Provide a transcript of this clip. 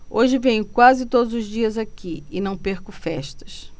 hoje venho quase todos os dias aqui e não perco festas